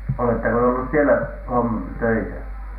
oletteko ollut siellä - töissä